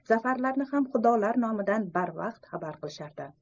zafarlarni ham xudolar nomidan barvaqt xabar qilishar edi